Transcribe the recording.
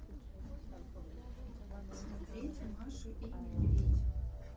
смотреть машу и медведь